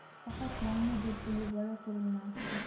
faqat yangi do'ppili bola ko'rinmasdi